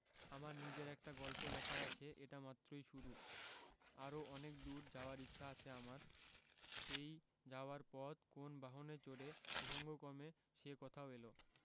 আমার নিজের একটা গল্প লেখার আছে এটা মাত্রই শুরু আরও অনেক দূর যাওয়ার ইচ্ছা আছে আমার সেই যাওয়ার পথ কোন বাহনে চড়ে প্রসঙ্গক্রমে সে কথাও এল